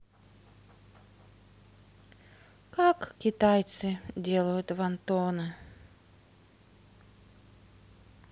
как китайцы делают вонтоны